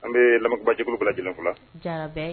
An bɛ lamɔbajɛ jf